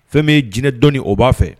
Fɛn bɛ jinɛ dɔnɔni o b'a fɛ